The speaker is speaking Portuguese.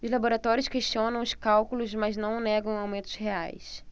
os laboratórios questionam os cálculos mas não negam aumentos reais